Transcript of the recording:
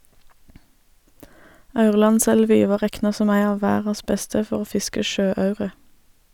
Aurlandselvi var rekna som ei av verdas beste for å fiske sjøaure.